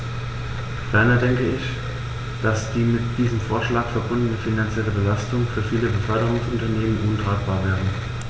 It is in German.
Ferner denke ich, dass die mit diesem Vorschlag verbundene finanzielle Belastung für viele Beförderungsunternehmen untragbar wäre.